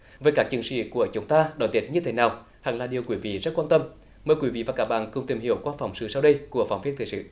với các chiến sĩ của chúng ta đón tết như thế nào thật là điều quý vị rất quan tâm mời quý vị và các bạn cùng tìm hiểu qua phóng sự sau đây của phóng viên thời sự